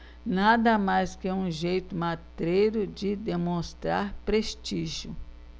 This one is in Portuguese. nada mais que um jeito matreiro de demonstrar prestígio